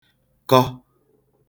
kọ